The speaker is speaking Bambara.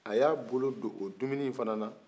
a y'a bolo don o dumuni in fana